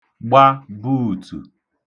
gba buùtù